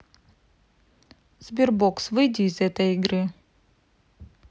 sberbox выйди из этой игры